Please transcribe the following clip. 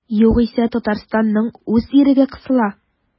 Югыйсә Татарстанның үз иреге кысыла.